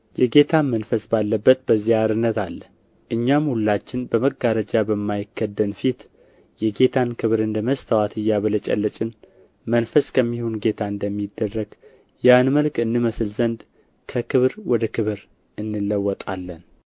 የጌታም መንፈስ ባለበት በዚያ አርነት አለ እኛም ሁላችን በመጋረጃ በማይከደን ፊት የጌታን ክብር እንደ መስተዋት እያብለጨለጭን መንፈስ ከሚሆን ጌታ እንደሚደረግ ያን መልክ እንመስል ዘንድ ከክብር ወደ ክብር እንለወጣለን